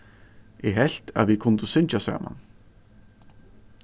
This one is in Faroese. eg helt at vit kundu syngja saman